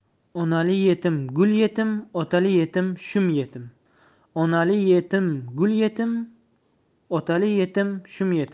onali yetim gul yetim otali yetim shum yetim